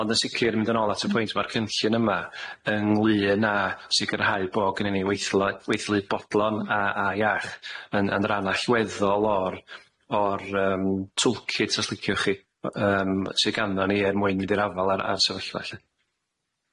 Ond yn sicir mynd yn ôl at y pwynt ma'r cynllun yma ynglŷn â sicirhau bo' gynnyn ni weithle- weithly bodlon a a iach yn yn ran allweddol o'r o'r yym toolkit os liciwch chi yym sy ganddo ni er mwyn mynd i'r afal a'r a'r sefyllfa 'lly.